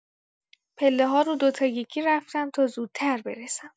پله‌ها رو دو تا یکی رفتم تا زودتر برسم.